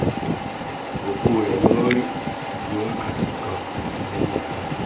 òkú rẹ̀ ni wọ́n rí ní wákàtí kan lẹ́yìn náà.